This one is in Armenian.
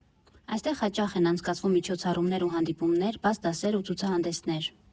Այստեղ հաճախ են անցկացվում միջոցառումներ ու հանդիպումներ, բաց դասեր ու ցուցահանդեսներ։